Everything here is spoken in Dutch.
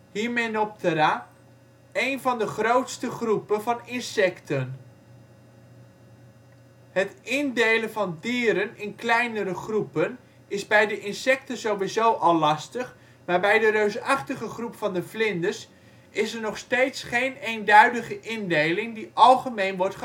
Hymenoptera) één van de grootste groepen van insecten. Het indelen van dieren in kleinere groepen is bij de insecten sowieso al lastig, maar bij de reusachtige groep van de vlinders is er nog steeds geen eenduidige indeling die algemeen wordt